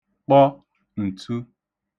kpọ ǹtu